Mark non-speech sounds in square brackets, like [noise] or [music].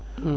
[hesitation] [hesitation]